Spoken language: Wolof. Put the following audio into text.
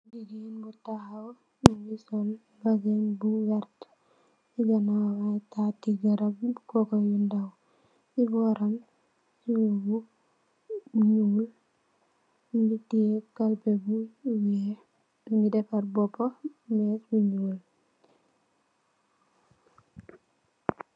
Gigain bu takhaw mungy sol mbazin bu vertue, cii ganaw am aiiy taarti garab bu coco yu ndaw, cii bohram siwoh bu, bu njull, mungy tiyeh kalpeh bu wekh, mungy defarr bopah meeche bu njull.